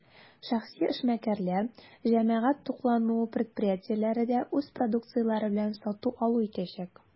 Шәхси эшмәкәрләр, җәмәгать туклануы предприятиеләре дә үз продукцияләре белән сату-алу итәчәк.